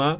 ma